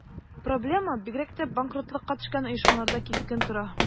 Проблема бигрәк тә банкротлыкка төшкән оешмаларда кискен тора.